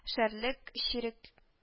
Шәрлек чирек